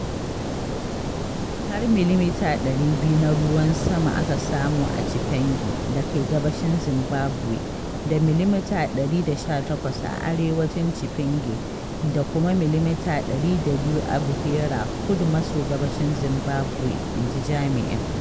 “Har millimita 200 na ruwan sama aka samu a Chipinge [da ke gabashin Zimbabwe] da millimita 118 a arewacin Chipinge da kuma millimita 102 a Buhera [kudu maso gabashin Zimbabwe],” in ji jami’in.